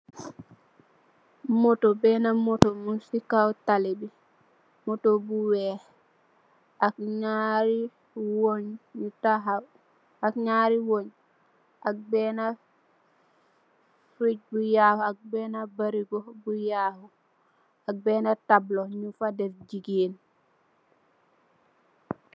Moto, benna moto mingi si kaw taly bi, moto bu weex, ak nyaari weej yu tahaw, ak nyaari weej, ak benna firig bu yahu ak benna baregu bu yahu, ak benna table nyu fa def jigeen